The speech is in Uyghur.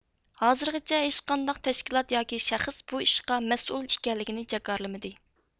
ھازىرغىچە ھېچقانداق تەشكىلات ياكى شەخس بۇ ئىشقا مەسئۇل ئىكەنلىكىنى جاكارلىمىدى